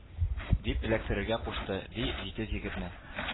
— дип эләктерергә кушты, ди, җитез егетне.